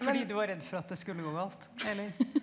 fordi du var redd for at det skulle gå galt eller?